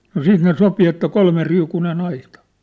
no sitten ne sopi että kolmeriukuinen aita